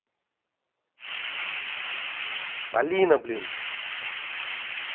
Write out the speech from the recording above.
полина блин